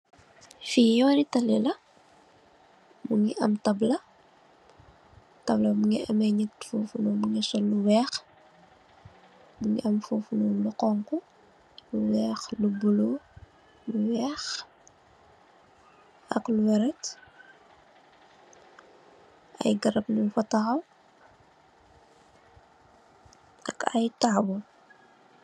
Fi yooni tali la mugii am tabla, tabla la bi mugii ameh nit fof non mugii sol lu wèèx, mugii am fof non lu xonxu, lu wèèx lu bula, wèèx, ak lu werta ay garap ñing fa taxaw ak ay tabull.